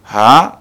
Haaan